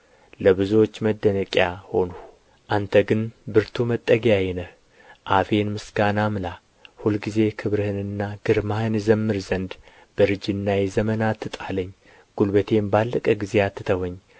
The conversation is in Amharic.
ለብዙዎች መደነቂያ ሆንሁ አንተ ግን ብርቱ መጠጊያዬ ነህ አፌን ምስጋና ምላ ሁልጊዜ ክብርህንና ግርማህን እዘምር ዘንድ በእርጅናዬ ዘመን አትጣለኝ ጕልበቴም ባለቀ ጊዜ አትተወኝ